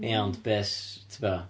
Ie ond be s-, tibod...